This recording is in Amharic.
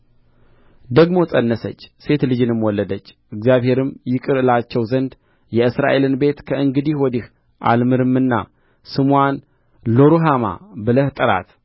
ደግሞ ፀነሰች ሴት ልጅንም ወለደች እግዚአብሔርም ይቅር እላቸው ዘንድ የእስራኤልን ቤት ከእንግዲህ ወዲህ አልምርምና ስምዋን ሎሩሃማ ብለህ ጥራት